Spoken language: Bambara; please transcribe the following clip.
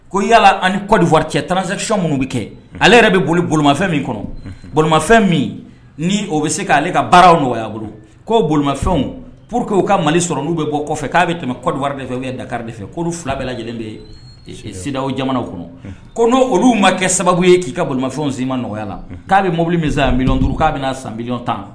Ko yalala an kɔdiwa cɛ tanranzsɛy minnu bɛ kɛ ale yɛrɛ bɛ boli bolofɛn min kɔnɔ bolofɛn min ni o bɛ se k' ale ka baaraw nɔgɔya bolo k'o bolofɛnw pur que u ka mali sɔrɔ n'u bɛ bɔ kɔfɛ k'a bɛ tɛmɛ kɔdiwa de fɛ u ye nakara fɛ'olu fila bɛla lajɛlen ye jamanaw kɔnɔ ko n' olu ma kɛ sababu ye k'i ka bolofɛnw sii ma nɔgɔya la k'a bɛ mobili min miɔn duuruuru k'a bɛna na sanbiɔn tan